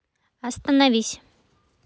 остановись